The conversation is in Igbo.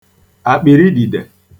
àkpị̀rịdìdè